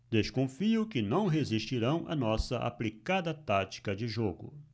desconfio que não resistirão à nossa aplicada tática de jogo